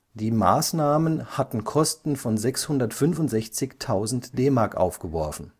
Die Maßnahmen hatten Kosten von 665.000 DM aufgeworfen